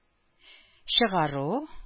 Чыгару